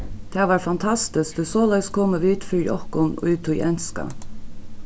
tað var fantastiskt tí soleiðis komu vit fyri okkum í tí enska